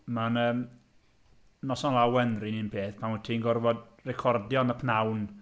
Mae'n yym Noson Lawen yr un un peth. Pan wyt ti'n gorfod recordio yn y p'nawn.